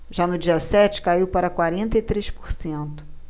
já no dia sete caiu para quarenta e três por cento